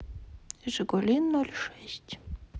жигули ноль шесть